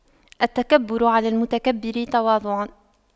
التكبر على المتكبر تواضع